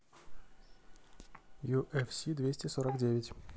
ю эф си двести сорок девять